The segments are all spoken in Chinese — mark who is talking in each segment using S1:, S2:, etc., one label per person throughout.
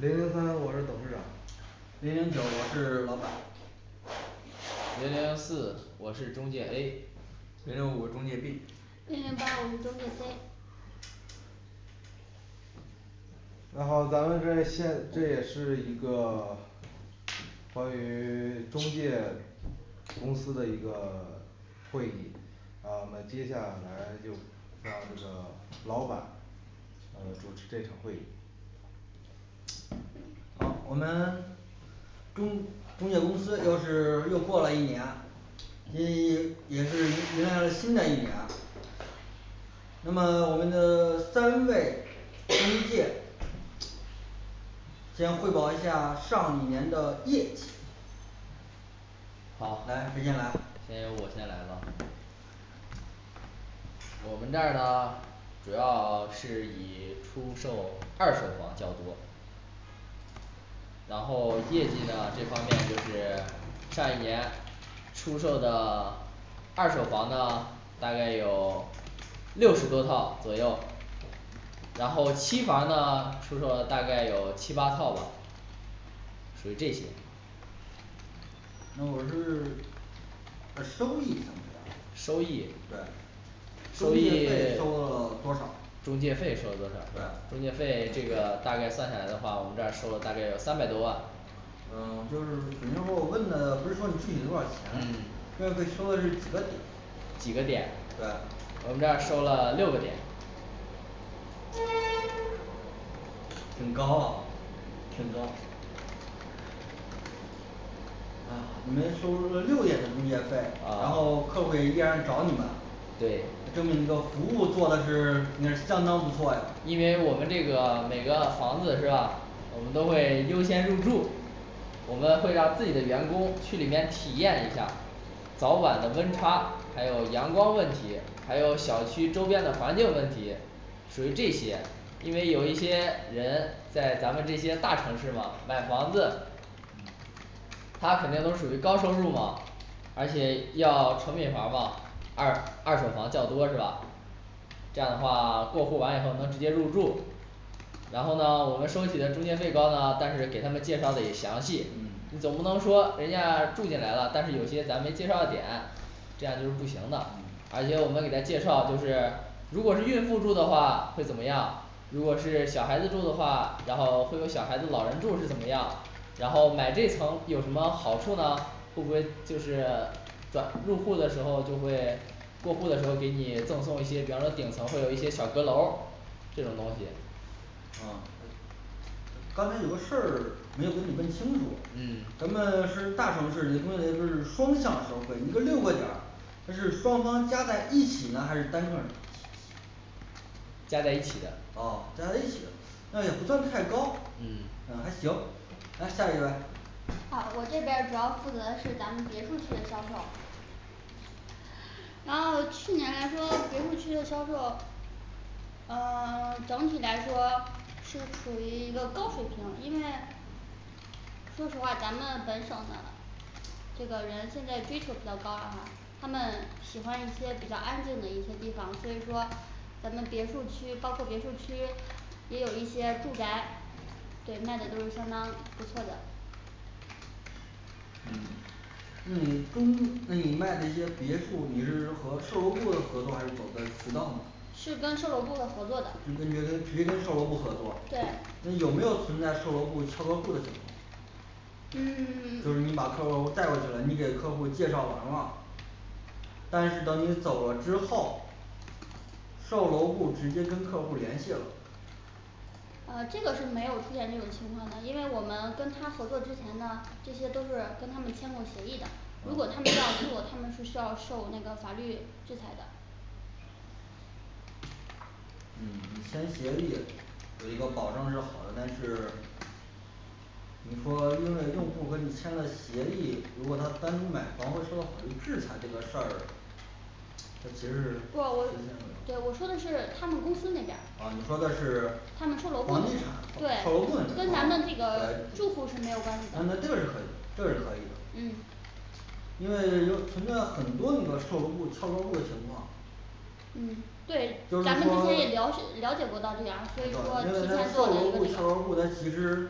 S1: 零零三我是董事长
S2: 零零九我是 老板
S3: 零零四我是中介A
S4: 零零五我是中介B
S5: 零零八我是中介C
S1: 那好咱们在现这也是一个 关于 中介公司的一个 会议那我们接下来就让这个老板呃主持这场会议
S2: 好，我们 中中介公司又是又过了一年，迎也是迎来了新的一年那么我们的三位中介&& 先汇报一下上一年的业绩
S3: 好，
S2: 来，谁先来？
S3: 先由我先来吧我们这儿呢主要是以出售二手房较多，然后业绩呢这方面就是下一年出售的 二手房呢大概有 六十多套左右然后期房呢出售了大概有七八套吧属于这些。
S2: 那我是 呃收益怎么样？
S3: 收益
S2: 对
S3: 收
S2: 中
S3: 益
S2: 介费收了 多少，
S3: 中介费收了多少，中介
S2: 对
S3: 费这个大概算下来的话，我们这儿收了大概有三百多万。
S2: 嗯就是准确说我问的不是说你具体多少钱，中介
S3: 嗯
S2: 费收的是几个点儿
S3: 几个点
S2: 对
S3: 我们这儿收了六个点
S2: 挺高啊。
S3: 挺高。
S2: 哎呀你们收这六个点的中介费，然后
S3: 啊
S2: 客户也依然找你们。证
S3: 对
S2: 明你这个服务做的是应该是相当不错呀，
S3: 因为这个我们每个房子是吧，我们都会优先入住，我们会让自己的员工去里面体验一下早晚的温差，还有阳光问题，还有小区周边的环境问题属于这些，因为有一些人在咱们这些大城市嘛买房子
S2: 嗯
S3: 他肯定都属于高收入嘛，而且要成品房嘛二二手房较多是吧？这样的话过户完以后能直接入住然后呢我们收取的中介费高呢，但是给他们介绍的也详细，你
S2: 嗯
S3: 总不能说人家住进来了，但是有些咱没介绍点这样就是不行的，
S2: 嗯
S3: 而且我们给他介绍就是如果是孕妇住的话会怎么样？如果是小孩子住的话，然后会有小孩子老人住是怎么样，然后买这层有什么好处呢，会不会就是转入户的时候就会过户的时候给你赠送一些，比方说顶层会有一些小阁楼儿，这种东西
S2: 啊对 刚才有个事儿没有跟你问清楚，咱
S3: 嗯
S2: 们是大城市准确来说是双向消费，你个六个点儿这是双方加在一起呢还是单个儿呢？
S3: 加在一起的，
S2: 哦加在一起的那也不算太高。嗯还
S3: 嗯
S2: 行，来下一位。
S5: 好，我这边儿主要负责是咱们别墅区的销售，然后去年来说别墅区的销售呃 整体来说是处于一个高水平，因为说实话咱们本省的这个人现在追求比较高了哈，他们喜欢一些比较安静的一些地方，所以说咱们别墅区包括别墅区，也有一些住宅，对卖的都是相当不错的
S2: 嗯你中那你卖这些别墅，你是和售楼部的合作还是走的渠道呢
S5: 是跟售楼部的合作的
S2: 就，跟这跟直接跟售楼部合作，
S5: 对
S2: 那有没有存在售楼部撬客户的情况就是你
S5: 嗯
S2: 把客户带过去了，你给客户介绍完了但是等你走了之后售楼部直接跟客户联系了
S5: 啊这个是没有出现这种情况的，因为我们跟他合作之前呢，这些都是跟他们签过协议的，如果他们& &
S2: 嗯
S5: 要做，他们是需要受那个法律制裁的
S2: 嗯你签协议有一个保证是好的，但是你说因为用户和你签了协议，如果他单独买房会受到法律制裁这个事儿。他其实是，实现
S5: 不
S2: 不
S5: 我对
S2: 了
S5: 我说的是他们公司那边
S2: 哦
S5: 儿，
S2: 你说的是
S5: 他
S2: 房地
S5: 们
S2: 产
S5: 售
S2: 售楼
S5: 楼
S2: 部
S5: 部
S2: 那
S5: 那边儿
S2: 边儿哦，
S5: 对跟咱们这个住户是没有关系的
S2: 那那，这个是可以的。这个是可
S5: 嗯
S2: 以。因为有存在很多那个售楼部撬客户儿的情况
S5: 嗯对
S2: 就是，说
S5: 咱们之前也了是 了解过到这样儿，所
S2: 没
S5: 以说
S2: 错因为
S5: 提
S2: 他
S5: 前就
S2: 售楼部撬客户
S5: 有
S2: 儿
S5: 个
S2: 他
S5: 这
S2: 其
S5: 个
S2: 实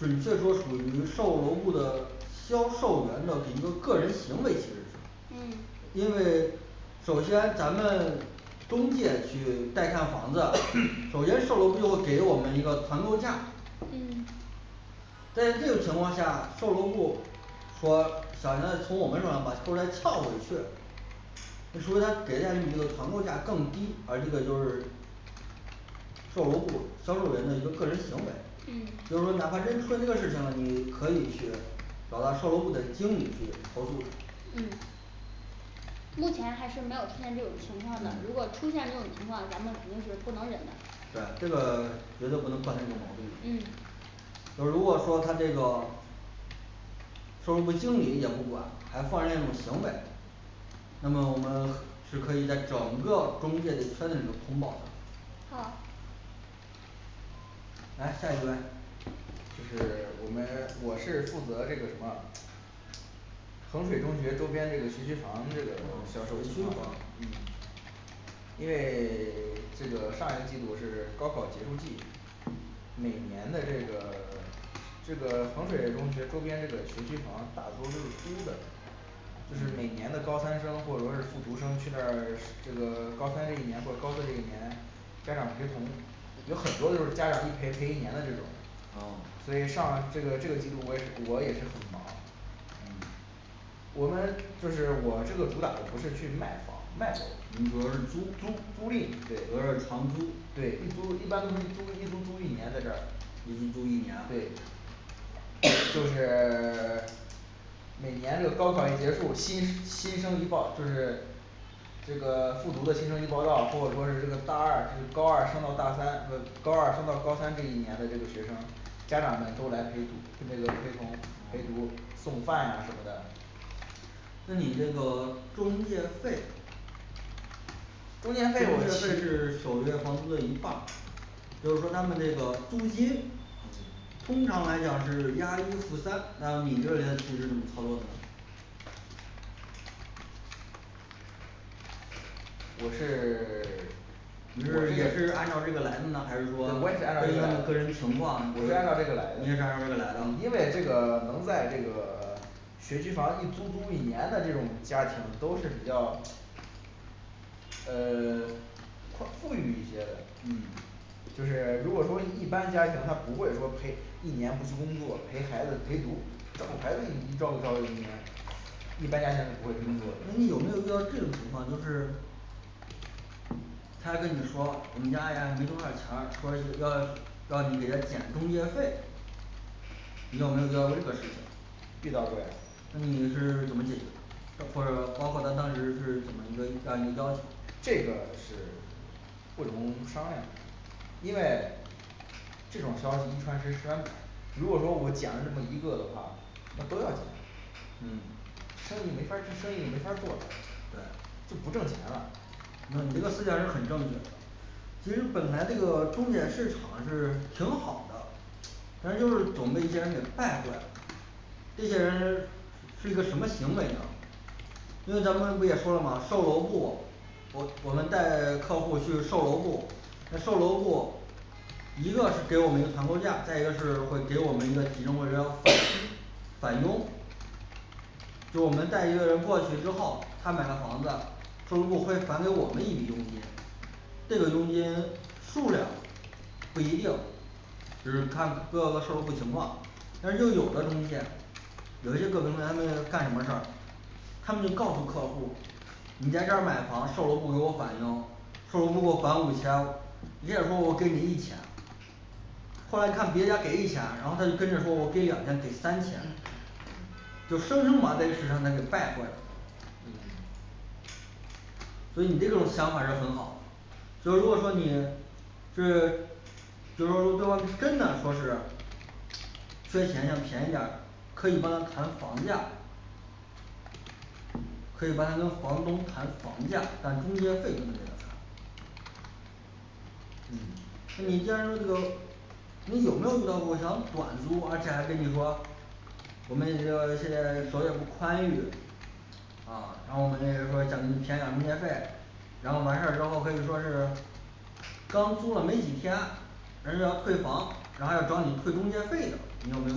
S2: 准确说属于售楼部的销售员的给一个个人行为其实是
S5: 嗯
S2: 因为首先咱们中介去带看房子，首先售楼部就会给我们一个团购价儿
S5: 嗯
S2: 但是这种情况下，售楼部说想在从我们这边儿把客户来撬回去，那除非他给的价钱比这个团购价更低而这个就是售楼部销售员的一个个人行为，就是说
S5: 嗯
S2: 哪怕真出了这个事情了，你可以去找他售楼部的经理去投诉他
S5: 嗯目前还是没有出现这种情况的，如果
S2: 嗯
S5: 出现这种情况，咱们肯定是不能忍的，嗯
S2: 对这个绝对不能惯他这个毛
S5: 嗯
S2: 病就是如果说他这个售楼部经理也不管，还放任这种行为那么我们是可以在整个中介的圈子里头通报他
S5: 好
S2: 来，下一位
S4: 就是我们我是负责这个什么衡水中学周边这个学区房这个，
S2: 学区房
S4: 嗯因为 这个上一个季度是高考结束季每年的这个 这个衡水中学周边这个学区房大多数是租的就是每
S5: 嗯
S4: 年
S2: 嗯
S4: 的高三生或者说是复读生去那儿是 这个高三这一年或者高四这一年，家长陪同
S3: 有很多就是家长一陪陪一年的这种
S2: 嗯
S3: 所以上这个这个季度我也是我也是很忙
S2: 嗯
S4: 我们就是我这个主打的不是去卖房，卖
S2: 你主要
S4: 楼
S2: 是，租
S4: 租，租赁对
S2: 主要是长租，
S4: 对一租一般都是租一租租一年在这儿。
S2: 一租租一年
S4: 对 &&就是 每年这个高考一结束，新新生一报就是这个复读的新生一报到，或者说是这个大二这是高二升到大三，呃高二升到高三这一年的这个学生家长都来陪读跟那个陪同陪读送饭呀什么的
S2: 那你这个中介费中
S4: 中
S2: 介
S4: 介费
S2: 费
S4: 用其
S2: 是首月房租的一半儿，就是说他们这个租金
S4: 嗯
S2: 通常来讲是押一付三，那你这里的其实怎么操作的呢
S4: 我是
S2: 你
S4: 我
S2: 是也是
S4: 是
S2: 按照这个来的呢，还是说
S4: 对我也是按照这
S2: 根据
S4: 个
S2: 他
S4: 来的，
S2: 们个
S4: 我
S2: 人情况，你也是
S4: 是按
S2: 按
S4: 照
S2: 照这
S4: 这
S2: 个
S4: 个来
S2: 来的
S4: 的，嗯因为这个能在这个 学区房一租租一年的这种家庭都是比较呃 宽 富裕一些的
S2: 嗯
S4: 就是如果说一般家庭他不会说陪一年不去工作，陪孩子陪读，照顾孩子你照顾照顾一年，一般家庭是不会这么做的，
S2: 那你有没有遇到这种情况就是他跟你说我们家里还没多少钱儿，说要要你给他减中介费你有没有遇到过这个事情？
S4: 遇到过呀
S2: 那你是怎么解决的？他或者包括他当时是怎么一个要要求
S4: 这个是不容商量因为这种消息一传十十传百，如果说我减了这么一个的话，那都要减
S2: 嗯
S4: 生意没法儿去，生意没法儿做
S2: 对，
S4: 就不挣钱了
S2: 那你这个思想是很正确的其实本来这个中介市场是挺好的但是就是总被一些人给败坏了这些人是一个什么行为呢？因为咱们不也说了嘛售楼部我我们带客户去售楼部那售楼部一个是给我们一个团购价，再一个是会给我们一个集中或者叫& &返佣就我们带一个人过去之后，他买了房子，售楼部会返给我们一笔佣金，这个佣金数量不一定这是看各个售楼部情况，但是就有的中介有一些个别中介他们就干什么事儿他们就告诉客户你在这儿买房售楼部给我反佣，售楼部给我返五千儿，你这样跟我我给你一千后来看别人家给一千，然后他就跟着说我给两千给三千，就生生把这个事情他给败坏了。
S4: 嗯
S2: 所以你这种想法是很好。就如果说你是就说对方真的说是缺钱想便宜点儿可以帮他谈房价可以帮他跟房东谈房价，但中介费不能给了他
S4: 嗯
S2: 那你既然说这个你有没有遇到过想短租，而且还跟你说，我们这现在手头也不宽裕，啊然后我们这也说想给你便宜点儿中介费，然后完事儿之后他就说是刚租了没几天，人家要退房，然后要找你退中介费的，你有没有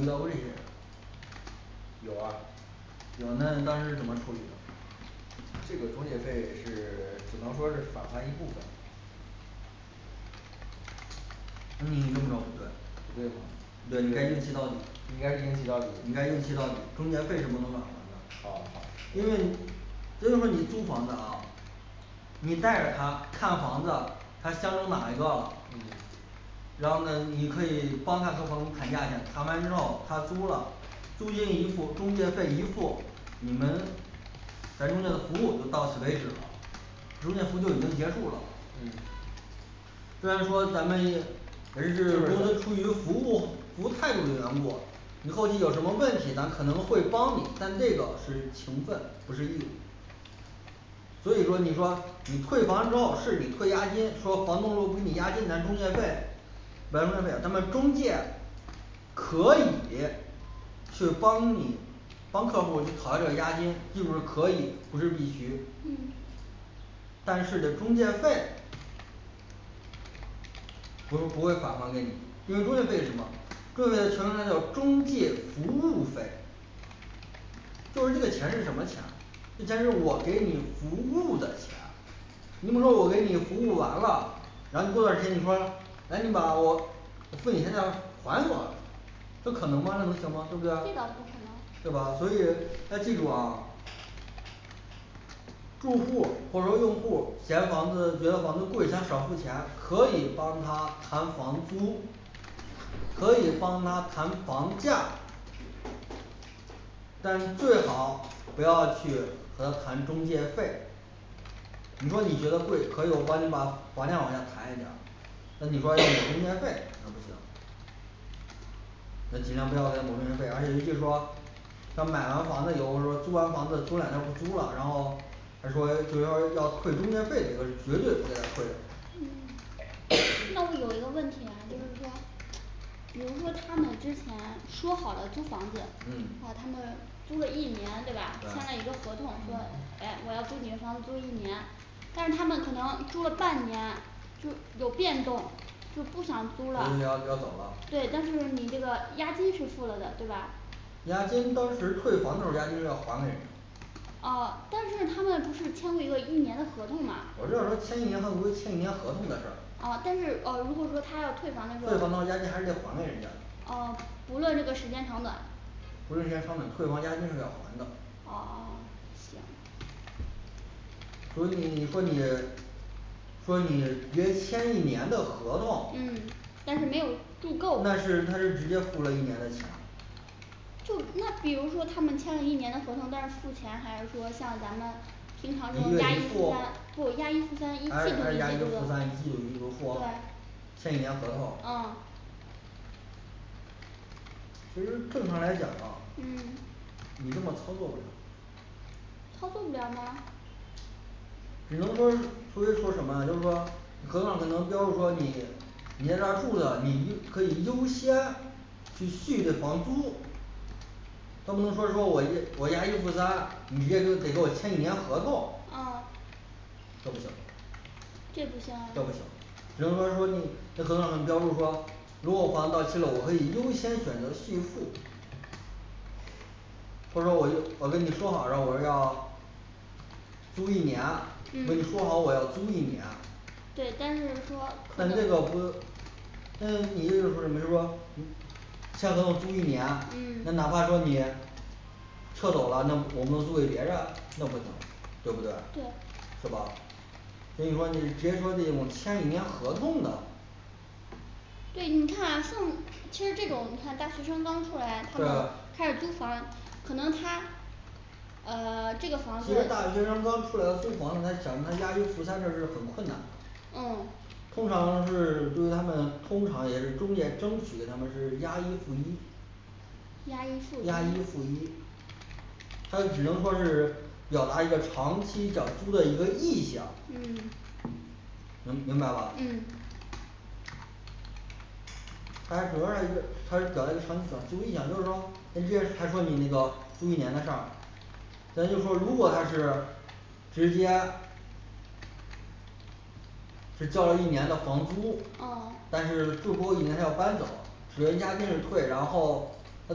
S2: 遇到过这些？
S4: 有啊
S2: 有那当时怎么处理的？
S4: 这个中介费是只能说是返还一部分。
S2: 那你这么着不对
S4: 不对吗？
S2: 对，你该硬气到底，
S4: 应
S2: 你
S4: 该
S2: 该硬
S4: 硬
S2: 气
S4: 气到底，
S2: 到底，中介费是不能返还
S4: 哦
S2: 的。因
S4: 好
S2: 为所以说你租房子啊你带着他看房子，他相中哪一个了
S4: 嗯
S2: 然后呢你可以帮他和房东谈价钱，谈完之后他租了，租金已付，中介费已付，你们咱中介的服务就到此为止了中介服务就已经结束了
S4: 嗯
S2: 虽然说咱们也人是公司出于服务服务态度的缘故，你后期有什么问题咱可能会帮你，但这个是情分，不是义务所以说你说你退房之后是你退押金，说房东如果不给你押金，咱中介费，没有没有咱们中介。可以去帮你帮客户去讨要这个押金，记住是可以，不是必须。
S5: 嗯
S2: 但是这中介费不是不会返还给你，因为中介费是什么？中介费的全称它叫中介服务费就是这个钱是什么钱？这钱是我给你服务的钱。你们说我给你服务完了，然后你过段儿时间你说来你把我我付你钱再还给我这可能吗？这能行吗？
S5: 这
S2: 对不对？
S5: 倒不可
S2: 对
S5: 能
S2: 吧？所以大家记住啊住户或者用户嫌房子觉得房子贵想少付钱，可以帮他谈房租，可以帮他谈房价但最好不要去和他谈中介费，你说你觉得贵可以我帮你把房价往下谈一点儿，那你说要& &减中介费，那不行咱尽量不要给他抹中介费，而且尤其是说他买完房子以后，我说租完房子租两天不租了，然后他说就要要退中介费，这个是绝对不给他退的。
S5: &&嗯那我有一个问题啊就是说，比如说他们之前说好了租房子，啊他
S2: 嗯
S5: 们租了一年对吧？签了一个
S2: 对
S5: 合同说
S2: 嗯
S5: 哎我要租你房子租一年但是他们可能住了半年就有变动，就不想
S2: 重新
S5: 租了，
S2: 要要走了
S5: 对，但是你这个押金是付了的对吧？
S2: 押金当时退房的时候儿押金要还给人家
S5: 哦但是他们不是签过一个一年的合同吗，
S2: 我知道说签一年他不归签一年合同的事儿，
S5: 啊但是哦如果说他要退
S2: 退
S5: 房
S2: 房
S5: 的时候
S2: 的押
S5: 儿
S2: 金还是得还给人家的。
S5: 哦不论这个时间长短
S2: 不是时间长短退还押金是要还的
S5: 哦行
S2: 说你说你说你别签一年的合同，
S5: 嗯但是没有住够，
S2: 那是他是直接付了一年的钱。
S5: 就那比如说他们签了一年的合同，但是付钱还是说像咱们平
S2: 一
S5: 常这种押
S2: 月一
S5: 一付
S2: 付
S5: 三，，不押一付三一季度
S2: 还是还
S5: 一
S2: 是押一付三。一季度一季
S5: 季
S2: 度
S5: 度
S2: 付
S5: 的，对，
S2: 签一年合同，
S5: 嗯
S2: 其实正常来讲啊，
S5: 嗯
S2: 你这么操作不了
S5: 操作不了吗
S2: 只能说除非说什么，也就是说合同上可能标着说你你在这儿住着，你优可以优先去续这房租他不能说说我一我压一付三，你直接搁 得给我签一年合同
S5: 啊
S2: 这不行
S5: 这不行啊。
S2: 这不行只能说是说你这合同上这么标注说如果还到期了，我可以优先选择续付或者说我又我跟你说好时候儿我是要租一年，我
S5: 嗯
S2: 跟你说好我要租一年。
S5: 对，但是说
S2: 但那个不那你这个说什么就说嗯 签合同租一年那哪怕
S5: 嗯
S2: 说你撤走了，那我们租给别人，那不能对不对
S5: 对？
S2: 是吧？所以说你是直接说这种签一年合同的。
S5: 对，你看啊像其实这种你看大学生刚出来，他
S2: 对
S5: 们
S2: 啊
S5: 开始租房，可能他呃 这个房子
S2: 其实大学生刚出来租房子，他想他压押一付三，这是很困难的。
S5: 嗯
S2: 通常是对他们通常也是中介争取给他们是押一付一
S5: 押一
S2: 押
S5: 付
S2: 一付
S5: 一
S2: 一他只能说是表达一个长期想租的一个意向，
S5: 嗯
S2: 能明白吧？
S5: 嗯
S2: 他主要是一个他是表达一个长期想租的意向，就是说你直接他说你那个租一年的事儿咱就说如果他是直接是交了一年的房租
S5: 哦，
S2: 但 是住不够一年他要搬走，首先押金是退，然后他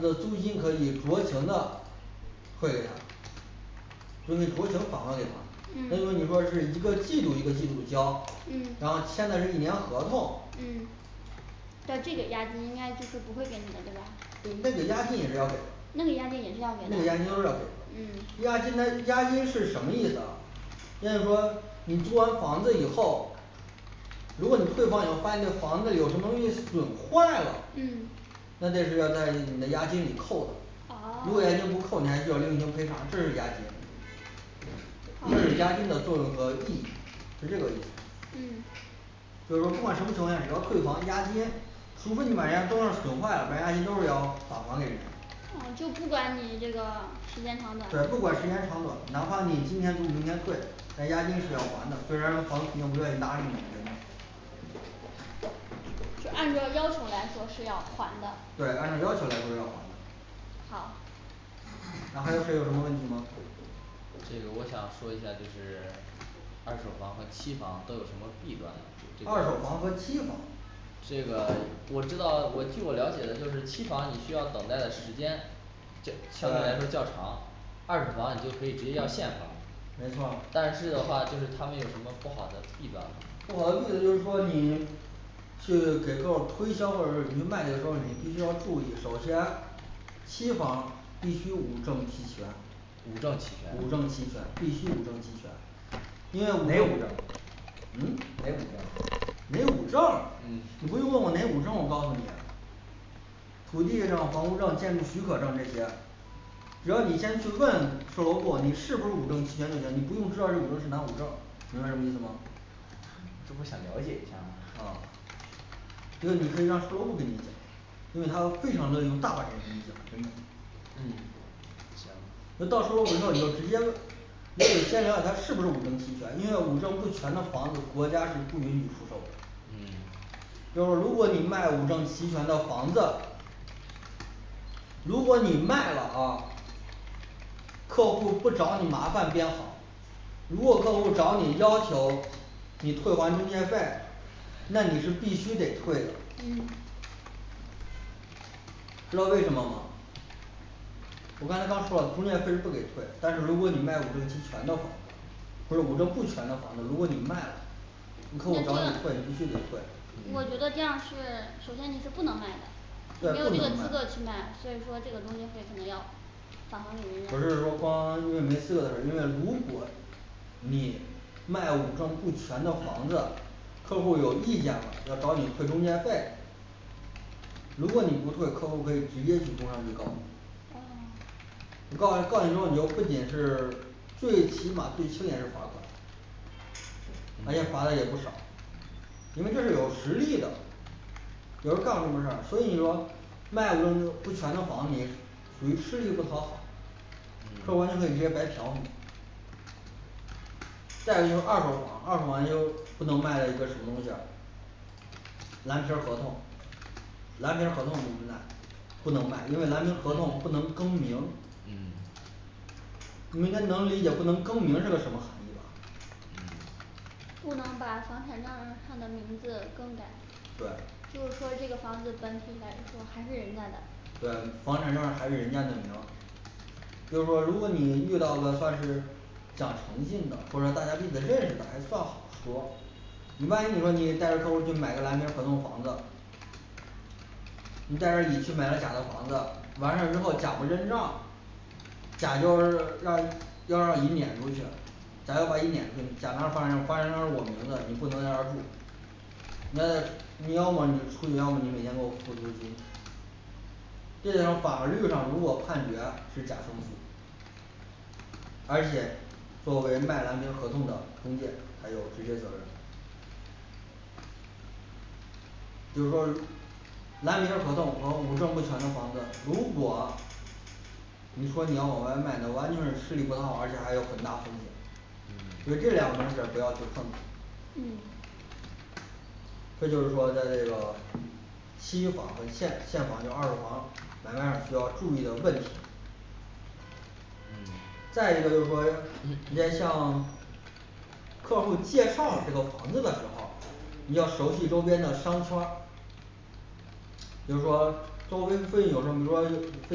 S2: 的租金可以酌情的退给他你酌情返还给他，那就说你
S5: 嗯
S2: 说是一个季度交一个季度交，然
S5: 嗯
S2: 后签的一年合同
S5: 嗯但这个押金应该就是不会给你的对吧？
S2: 对那个押金也是要给，
S5: 那
S2: 那个
S5: 个
S2: 押
S5: 押
S2: 金
S5: 金也
S2: 都是
S5: 是
S2: 要
S5: 要
S2: 给
S5: 给的，
S2: 的。
S5: 嗯
S2: 押金他押金是什么意思啊就说你租完房子以后如果你退房以后发现你这房子有什么东西损坏了
S5: 嗯，
S2: 那得是要在你的押金里扣的，如果押
S5: 哦
S2: 金不扣，你还需要另行赔偿，这是押金。这是押金
S5: 好
S2: 的作用和意义。是这个意思。
S5: 嗯
S2: 就是说不管什么情况下，只要退房押金，除非你把人家东西儿损坏了，不然押金都是要返还给人家。
S5: 哦就不管你这个时间长短，
S2: 对，不管时间长短，哪怕你今天住明天退，但押金是要还的，虽然房子肯定不愿意搭理你是真的。
S5: 就按照要求来说是要还
S2: 对，
S5: 的。
S2: 按照要求来说要还的。
S5: 好
S2: 那还有谁有什么问题吗？
S3: 可这个我想说一下就是二手房和期房都有什么弊端呢？就这
S2: 二手房和期房
S3: 这个我知道我据我了解的就是期房你需要等待的时间就相对来说较
S2: 对
S3: 长，二手房你就可以直接要现
S2: 没错
S3: 房。但
S2: 儿
S3: 是的话就是他们有什么不好的弊端，
S2: 不好的弊端就是说你去给客户儿推销或者是你卖的时候儿你必须要注意，首先期房儿必须五证齐全，
S3: 五
S2: 五证
S3: 证
S2: 齐
S3: 齐全
S2: 全，必须五证齐全。因为
S3: 哪五
S2: 五
S3: 证
S2: 证
S3: 儿哪五证
S2: 嗯？
S3: 嗯
S2: 哪五证儿你
S3: 嗯
S2: 不用问我哪五证，我告诉你。土地证房屋证建筑许可证这些只要你先去问售楼部，你是不是五证齐全就行，你不用知道这五证是哪五证，明白什么意思吗？
S3: 这不想了解一下儿吗
S2: 啊这个你可以让售楼部跟你讲因为他非常的用大把时间给你讲，真的
S3: 嗯
S2: 那到时候，你就直接你得& &先了解他是不是五证齐全，因为五证不全的房子国家是不允你出售的
S3: 嗯
S2: 就说如果你卖五证齐全的房子如果你卖了啊客户不找你麻烦便好如果客户找你要求你退还中介费，那你是必须得退的。
S5: 嗯
S2: 知道为什么吗？我刚才刚说了中介费是不给退，但是如果你卖五证齐全的房子不是五证不全的房子，如果你卖了你客户
S5: 那
S2: 找
S5: 这
S2: 你退
S5: 个
S2: 你必须得退
S5: 我觉得这
S3: 嗯
S5: 样是首先你是不能卖的你
S2: 对
S5: 没有
S2: 不
S5: 这个
S2: 能卖
S5: 资格去卖，所以说这个中介费可能要返还
S2: 不
S5: 给
S2: 是
S5: 人
S2: 说
S5: 家
S2: 光就是没资格的事因为如果你卖五证不全的房子，客户儿有意见了，要找你退中介费如果你不退客户可以直接去工商局告你
S5: 哦
S2: 我告你告你之后你就不仅是最起码最轻也是罚款，而且罚的也不少因为这是有实力的有时候干我们事儿，所以你说卖五证不全的房子你属于吃力不讨好客户完全
S3: 嗯
S2: 可以直接白嫖你。再一个就是二手房，二手房他就不能卖的一个什么东西呀？蓝皮儿合同蓝皮儿合同真的不能卖，因为蓝皮儿合同不能更名
S3: 嗯
S2: 你们应该能理解不能更名是个什么含义吧
S3: 嗯
S5: 不能把房产证儿上的名字更改
S2: 对。
S5: 就是，说这个房子本体来说，还是人家的
S2: 对房产证儿还是人家的名儿就是说如果你遇到个算是讲诚信的，或者说大家彼此认识的还算好说你万一你说你带着客户去买个蓝皮儿合同房子你带着乙去买了甲的房子，完事儿之后甲不认账，甲就是让要让乙撵出去，甲要把乙撵出去，甲拿房产证房产证是我名字，你不能在这儿住你要是你要么你出去，要么你每年给我付租金这种法律上如果判决是甲胜诉而且作为卖蓝皮儿合同的中介，他有直接责任就说蓝皮儿合同和五证不全的房子，如果你说你要往外卖呢完全是吃力不讨好，而且还有很大风险。所以这两
S3: 嗯
S2: 个东西儿不要去碰去
S5: 嗯
S2: 这就是说在这个期房和现现房就二手房买卖上需要注意的问题
S3: 嗯
S2: 再一个就是说你再像客户介绍这个房子的时候儿，你要熟悉周边的商圈儿就是说周边附近有什么，比如说有 附